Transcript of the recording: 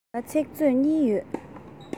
ང ལ ཚིག མཛོད གཉིས ཡོད